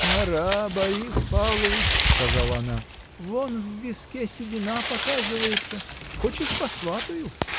— Пора, Борис Павлович, — сказала она, — вон в виске седина показывается. Хочешь, посватаю?